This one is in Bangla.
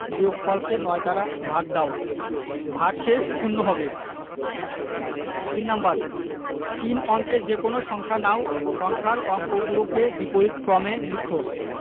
বিয়োগফলকে ৯ দ্বারা ভাগ দাও ভাগশেষ শূন্য হবে ৩ নাম্বার তিন অঙ্কের যেকোনো সংখ্যা নাও সংখ্যার অঙ্কগুলোকে বিপরীতক্রমে লিখ